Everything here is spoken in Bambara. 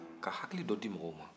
ka hakili dɔ di mɔgɔw ma